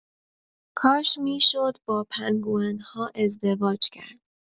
کاش می‌شد با پنگوئن‌ها ازدواج کرد.